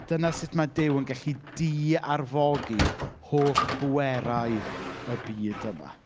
Dyna sut mae Duw yn gallu di-arfogi holl bwerau y byd yma.